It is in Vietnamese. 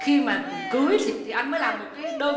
khi mà cưới thì anh mới làm một cái đơn